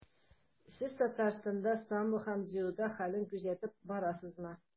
Сез Татарстанда самбо һәм дзюдо хәлен күзәтеп барасызмы?